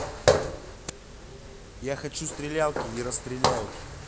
я хочу стрелялки и расстреляют